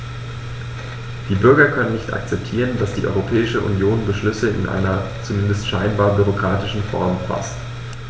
Die Bürger können nicht akzeptieren, dass die Europäische Union Beschlüsse in einer, zumindest scheinbar, bürokratischen Form faßt.